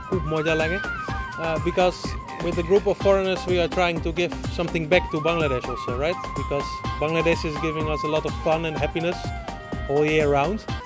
খুব মজা লাগে because with the group of foreigners we are trying to get something back to Bangladesh because Bangladesh is giving us a lot of fun happiness while we are around